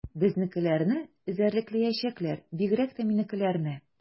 Безнекеләрне эзәрлекләячәкләр, бигрәк тә минекеләрне.